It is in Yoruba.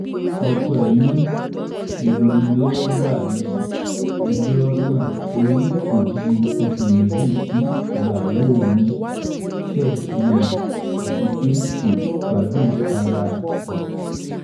Ọkọ ẹ̀ ni “ìlọ́nilọ́wọ́gbà” ni ẹjọ́ náà torí kò ju oṣù méjì tí ìyàwó òun ṣẹ̀ bímọ. Àtipé “kò gbádùn ara ẹ̀.”